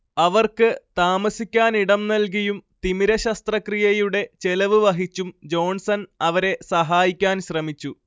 അവർക്ക് താമസിക്കാനിടം നൽകിയും തിമിരശസ്ത്രക്രിയയുടെ ചെലവ് വഹിച്ചും ജോൺസൺ അവരെ സഹായിക്കാൻ ശ്രമിച്ചു